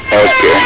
ok